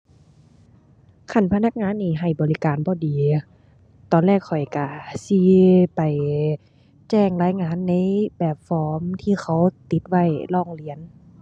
คันพนักงานนี้ให้บริการบ่ดี ตอนแรกข้อยก็สิไปแจ้งรายงานในแบบฟอร์มที่เขาติดไว้ร้องเรียน